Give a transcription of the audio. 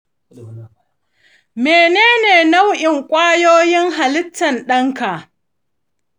menene nau’in kwayoyin halittar ɗanka?